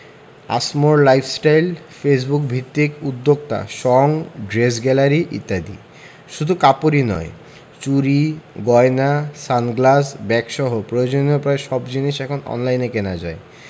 আসমোর lifestyle ফেসবুকভিত্তিক উদ্যোক্তা সঙ ড্রেস গ্যালারি ইত্যাদি শুধু কাপড়ই নয় চুড়ি গয়না সানগ্লাস ব্যাগসহ প্রয়োজনীয় প্রায় সব জিনিস এখন অনলাইনে কেনা যায়